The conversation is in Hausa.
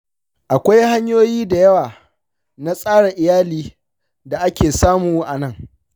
akwai hanyoyi da yawa na tsara iyali da ake samu a nan.